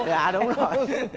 dạ đúng rồi